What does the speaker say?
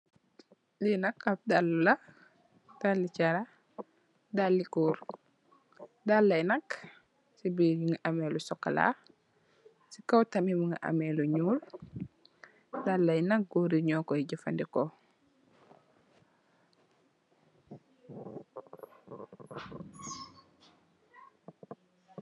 Lee nak ab dalle la dalle charah dalle goor dalla ye nak se birr muge ameh lu sukola se kaw tamin muge ameh lu nuul dalla ye nak goor ye nukoy jefaneku.